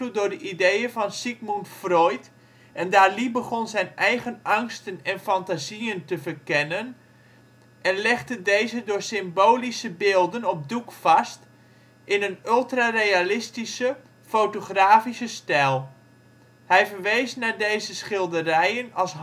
door de ideeën van Sigmund Freud en Dalí begon zijn eigen angsten en fantasieën te verkennen en legde deze door symbolische beelden op doek vast in een ultrarealistische, fotografische stijl. Hij verwees naar deze schilderijen als